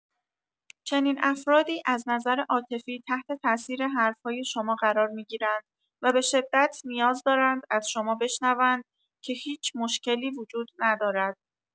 چنین افرادی از نظر عاطفی تحت‌تاثیر حرف‌های شما قرار می‌گیرند و به‌شدت نیاز دارند از شما بشنوند که هیچ مشکلی وجود ندارد.